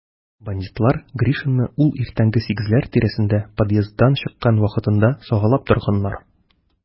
Бандитлар Гришинны ул иртәнге сигезләр тирәсендә подъезддан чыккан вакытында сагалап торганнар.